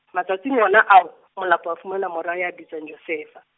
matsatsing ona ao, Molapo a fumana mora ya bitswang Josefa.